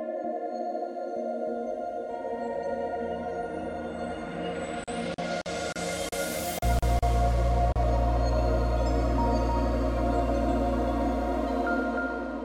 Wa